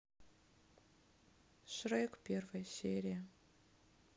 шрек первая серия